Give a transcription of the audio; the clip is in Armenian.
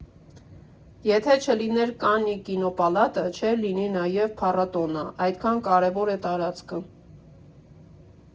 Եթե չլիներ Կաննի կինոպալատը, չէր լինի նաև փառատոնը, այդքան կարևոր է տարածքը։